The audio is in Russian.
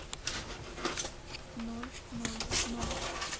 ноль ноль ноль